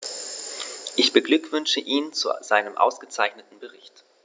Ich beglückwünsche ihn zu seinem ausgezeichneten Bericht.